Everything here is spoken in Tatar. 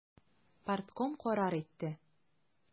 Партком карар итте.